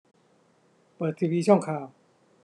เปิดทีวีช่องข่าว